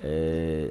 Ee